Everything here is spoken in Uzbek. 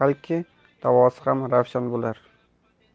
balki davosi ham ravshan bo'lar